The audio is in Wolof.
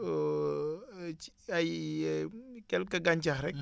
ci ay quelques gàncax rek